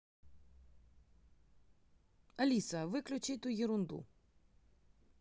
алиса выключи эту ерунду